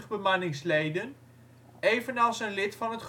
bemanningsleden), evenals een lid van